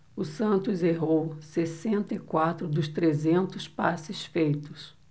o santos errou sessenta e quatro dos trezentos passes feitos